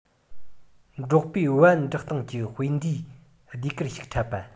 འབྲོག པས བལ འབྲེག སྟངས ཀྱི དཔེ འདྲའི ཟློས གར ཞིག འཁྲབ པ